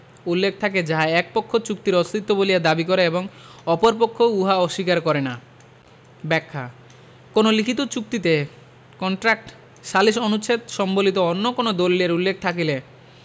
উল্লেখ থাকে যাহা এক পক্ষ চুক্তির অস্তিত্ব বলিয়া দাবী করে এবং অপর পক্ষ উহা অস্বীকার করে না ব্যাখ্যাঃ কোন লিখিত চুক্তিতে কন্ট্রাক্ট সালিস অনুচ্ছেদ সম্বলিত অন্য কোন দলিলের উল্লেখ থাকিলে